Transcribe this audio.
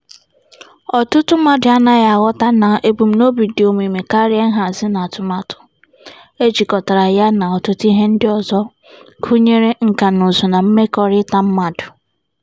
Ọtụtụ mmadụ anaghị aghọta na ebumnobi dị omimi karịa nhazị na atụmatụ - e jịkọtara ya na ọtụtụ ihe ndị ọzọ, gụnyere nkànaụzụ na mmekọrịta mmadụ.